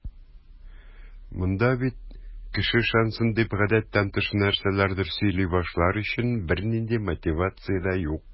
Монда бит кеше ышансын дип, гадәттән тыш нәрсәләрдер сөйли башлар өчен бернинди мотивация дә юк.